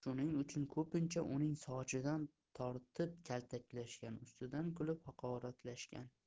shuning uchun ko'pincha uning sochidan tortib kaltaklashgan ustidan kulib haqoratlashgan